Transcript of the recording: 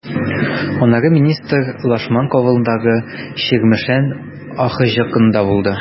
Аннары министр Лашманка авылындагы “Чирмешән” АХҖКында булды.